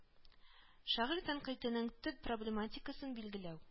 Шагыйрь тәнкыйтенең төп проблематикасын билгеләү